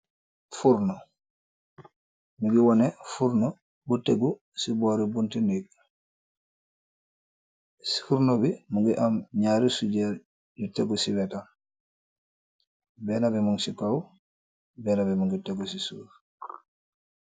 Furno mugi wone furno bu teggu ci boori bunti ndig bi furno bi mungi am naari sujer yu teggu ci wetam benna bi mung ci kow benna bi mu ngi teggu ci suuf.